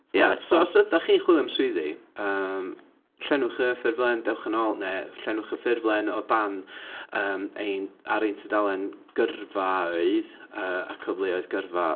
Ia, so, os ydych chi'n chwilio am swyddi yym llenwch y ffurflen Dewch yn Ôl neu llenwch y ffurflen o dan yym ein... ar ein tudalen gyrfaoedd yy a cyfleoedd gyrfa.